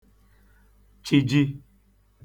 chiji